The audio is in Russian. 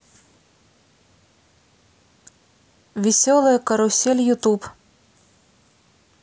веселая карусель ютуб